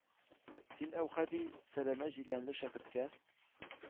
Син, Әүхәди,- сәләмә җиләнле шәкерткә